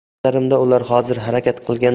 nazarimda ular hozir harakat